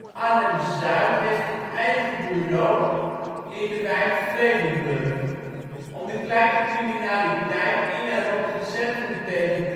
Arnhem-Zuid heeft een eigen bureau in de wijk Vredenburg. Om de kleine criminaliteit in en rond het centrum tegen